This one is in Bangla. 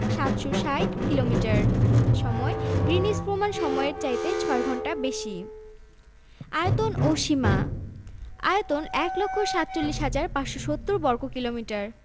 ভৌগোলিক অবস্থানঃ দক্ষিণ এশিয়ার অন্তর্ভুক্ত ২০ডিগ্রি ৩৪ মিনিট থেকে ২৬ ডিগ্রি ৩৮ মিনিট উত্তর অক্ষাংশ এবং ৮৮ ডিগ্রি ০১ মিনিট